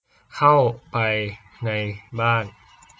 เข้าไปในบ้าน